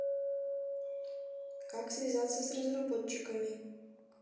как связаться с разработчиками